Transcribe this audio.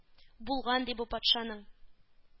Булган, ди, бу патшаның.